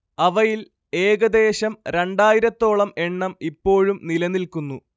അവയിൽ ഏകദ്ദേശം രണ്ടായിരത്തോളം എണ്ണം ഇപ്പോഴും നിലനിൽക്കുന്നു